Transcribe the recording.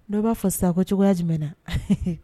Dɔ b'a fɔ sisan ko cogoya jumɛn na